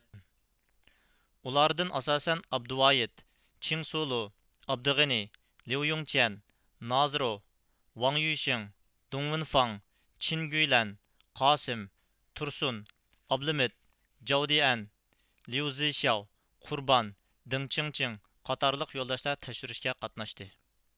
ئۇلاردىن ئاساسەن ئابدۇۋايىت چېڭ سولۇ ئابدىغېنى ليۇيۇڭچيەن نازىروۋ ۋاڭيۈشېڭ دۇڭۋېنفاڭ چېنگۈيلەن قاسىم تۇرسۇن ئابلىمىت جاۋ دېئەن ليۇزىشياۋ قۇربان دېڭجېڭچىڭ قاتارلىق يولداشلار تەكشۈرۈشكە قاتناشتى